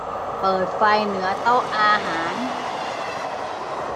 เปิดไฟเหนือโต๊ะอาหาร